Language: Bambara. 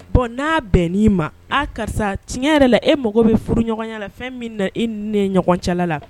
Bon n'a bɛnn'i ma a karisa tiɲɛ yɛrɛ la e mago bɛ furuɲɔgɔnya la fɛn min na e ni ne ni ɲɔgɔn cɛla la